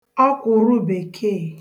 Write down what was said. ọkwụ̀rụ̀bèkeè